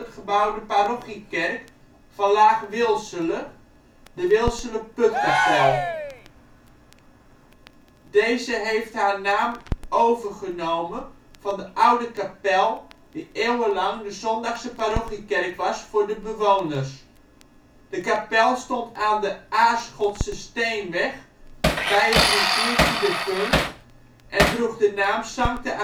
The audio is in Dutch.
gebouwde parochiekerk van Laag-Wilsele (Wilsele-Putkapel). Deze heeft haar naam overgenomen van de oude kapel die eeuwenlang de zondagse parochiekerk was voor de bewoners. De kapel stond aan de Aarschotsesteenweg bij het riviertje de Vunt en droeg de naam Sancta